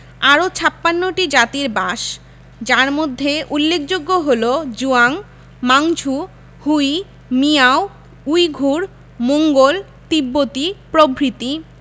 আরও ৫৬ টি জাতির বাসযার মধ্যে উল্লেখযোগ্য হলো Zhuang Manchu Hui Miao Uyghur Mongol তিব্বতি প্রভৃতি